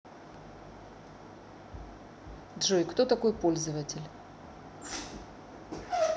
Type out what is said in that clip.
джой кто такой пользователь